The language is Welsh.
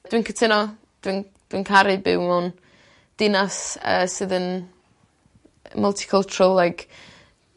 Dwi'n cytuno dwi'n caru byw mewn dinas yy sydd yn multicultural like